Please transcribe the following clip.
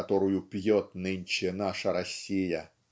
которую пьет нынче наша Россия.